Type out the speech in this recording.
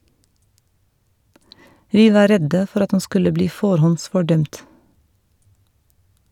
Vi var redde for at han skulle bli forhåndsfordømt.